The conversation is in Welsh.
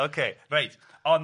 Ocê reit on-